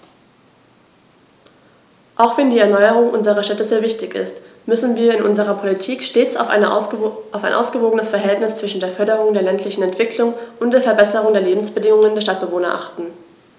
Auch wenn die Erneuerung unserer Städte sehr wichtig ist, müssen wir in unserer Politik stets auf ein ausgewogenes Verhältnis zwischen der Förderung der ländlichen Entwicklung und der Verbesserung der Lebensbedingungen der Stadtbewohner achten.